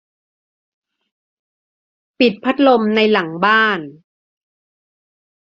ปิดพัดลมในหลังบ้าน